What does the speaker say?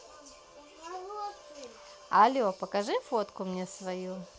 алле покажи фотку мне свою